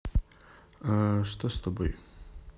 а что с тобой